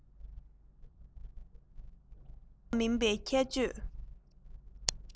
དེ དག རེ རེ ལའང